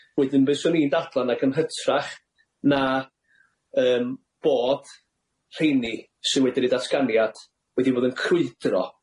Wedyn be' swn i'n dadla', nag yn hytrach na yym bod rheini sy wedi neud datganiad wedi bod yn crwydro,